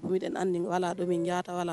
U na nin la don ja ta la